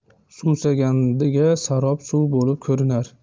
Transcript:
suvsaganga sarob suv bo'lib ko'rinar